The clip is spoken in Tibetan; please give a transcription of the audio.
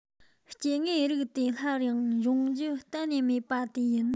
སྐྱེ དངོས རིགས དེ སླར ཡང འབྱུང རྒྱུ གཏན ནས མེད པ དེ ཡིན